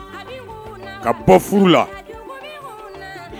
Ka bɔ furu la